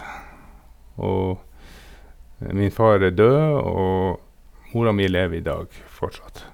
Og min far er død, og mora mi lever i dag, fortsatt.